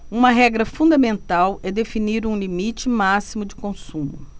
uma regra fundamental é definir um limite máximo de consumo